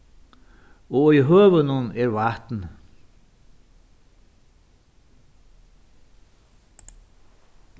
og í høvunum er vatn